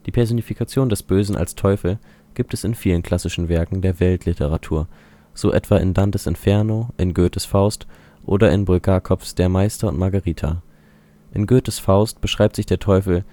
Personifikation des Bösen als Teufel gibt es in vielen klassischen Werken der Weltliteratur, so etwa in Dantes Inferno, in Goethes Faust oder in Bulgakovs Der Meister und Margarita. In Goethes Faust beschreibt sich der Teufel